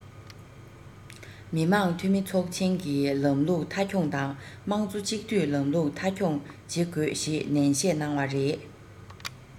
མི དམངས འཐུས མི ཚོགས ཆེན གྱི ལམ ལུགས མཐའ འཁྱོངས དང དམངས གཙོ གཅིག སྡུད ལམ ལུགས མཐའ འཁྱོངས བྱེད དགོས ཞེས ནན བཤད གནང བ རེད